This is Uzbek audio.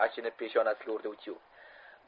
achinib peshanasiga urdi utyug